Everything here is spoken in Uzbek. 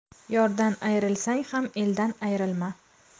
yordan ayrilsang ham eldan ayrilma